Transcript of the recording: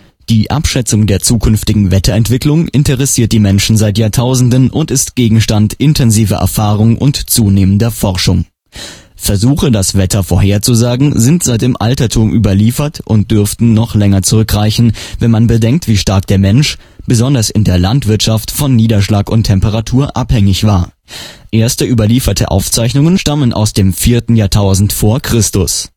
Die Abschätzung der zukünftigen Wetterentwicklung interessiert die Menschen seit Jahrtausenden und ist Gegenstand intensiver Erfahrung und zunehmender Forschung. Versuche das Wetter vorherzusagen sind seit dem Altertum überliefert und dürften noch länger zurückreichen, wenn man bedenkt wie stark der Mensch - besonders in der Landwirtschaft - von Niederschlag und Temperatur abhängig war. Erste überlieferte Aufzeichnungen stammen aus dem 4. Jahrtausend v. Chr.